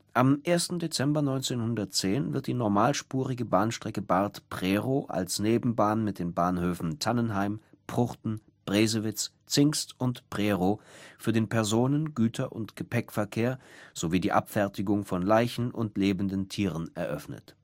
Am 1. Dezember 1910 wird die normalspurige Bahnstrecke Barth – Prerow als Nebenbahn mit den Bahnhöfen Tannenheim, Pruchten, Bresewitz, Zingst und Prerow für den Personen -, Güter - und Gepäckverkehr sowie die Abfertigung von Leichen und lebenden Tieren eröffnet